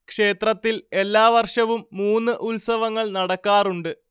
ക്ഷേത്രത്തിൽ എല്ലാ വർഷവും മൂന്ന് ഉത്സവങ്ങൾ നടക്കാറുണ്ട്